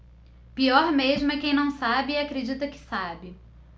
pior mesmo é quem não sabe e acredita que sabe